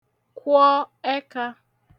kwọ ẹkā